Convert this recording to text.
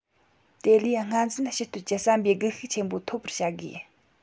དེ ལས སྔ འཛིན ཕྱི གཏོད ཀྱི བསམ པའི སྒུལ ཤུགས ཆེན པོ འཐོབ པར བྱ དགོས